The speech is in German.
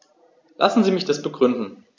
Lassen Sie mich das begründen.